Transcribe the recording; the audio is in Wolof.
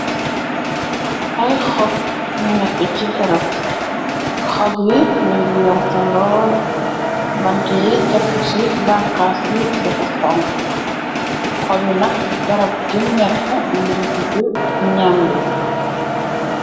ay xob yi nekk ci garab xop yi ningi werta lool bant yi chap pu ci banxaas bi defa xonxo xop bi nak garab gi nekk mungi tuddu ñam bi